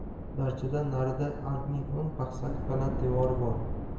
darchadan narida arkning o'n paxsalik baland devori bor